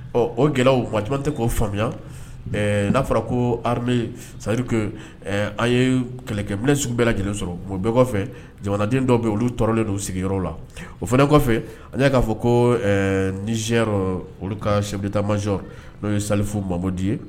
Ɔ o gɛlɛ o ma tɛ k ko faamuya n'a fɔra ko sayiri an ye kɛlɛkɛbilen sugu bɛɛ kelen sɔrɔ bon bɛɛ kɔfɛ jamanaden dɔw bɛ olu tɔɔrɔlen sigin la o fana kɔfɛ an y'a k'a fɔ ko olu ka sɛtamay n'o ye safo madi ye